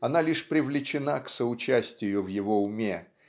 она лишь привлечена к соучастию в его уме